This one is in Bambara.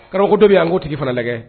Karamɔgɔ dɔ yan an ko' tigi fana nɛgɛ